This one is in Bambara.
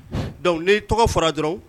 Dɔnc n'i tɔgɔ fɔra dɔrɔn